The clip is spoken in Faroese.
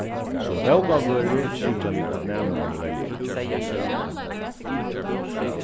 sum bókavørðir síggja vit hvat næmingarnir velja